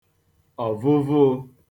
ọ̀vụvụụ̄